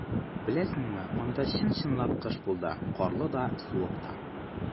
Беләсеңме, анда чын-чынлап кыш булды - карлы да, суык та.